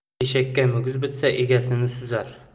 eshakka muguz bitsa egasini suzar